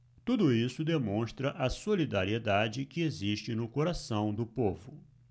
tudo isso demonstra a solidariedade que existe no coração do povo